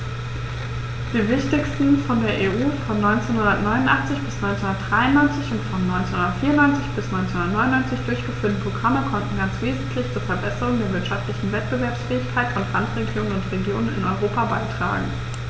Die wichtigsten von der EU von 1989 bis 1993 und von 1994 bis 1999 durchgeführten Programme konnten ganz wesentlich zur Verbesserung der wirtschaftlichen Wettbewerbsfähigkeit von Randregionen und Regionen in Europa beitragen.